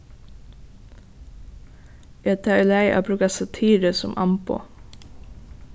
er tað í lagi at brúka satiru sum amboð